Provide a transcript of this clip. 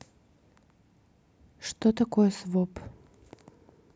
что такое своп